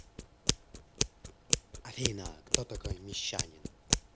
афина кто такой мещанин